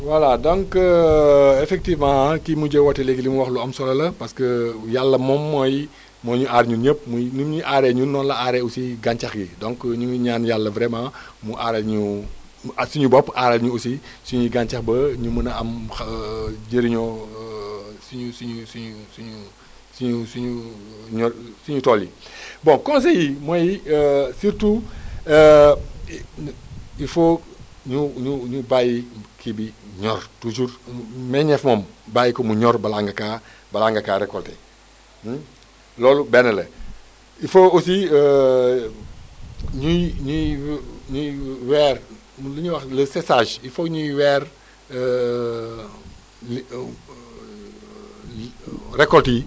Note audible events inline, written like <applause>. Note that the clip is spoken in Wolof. voilà donc <hesitation> effectivement ki mujjee woote léegi li mu wax lu am solo la parce que yàlla moom mooy <breath> moo ñuy aar ñun muy ni mu ñuy aaree ñun noonu lay aaree aussi gàncax gi donc ñuy ñaan yàlla vraiment <breath> mu aaral ñu suñu bopp aaral ñu aussi <breath> suñu gàncax ba ñu mën a am xa <hesitation> jëriñoo <hesitation> suñu suñu suñu suñu suñu suñu suñu <hesitation> suñu ñosuñu tool <breath> bon conseil yi mooy <hesitation> surtout <hesitation> il faut ñu ñu ñu bàyyi kii bi ñor toujours meññeef moom bàyyi ko mu ñor balaa nga kaa balaa nga kaa récolté <hesitation> loolu benn la il faut aussi <hesitation> ñuy ñuy ñuy weer li ñuy wax le séchage il faut ñuy weer <hesitation> li <hesitation> li récolte yi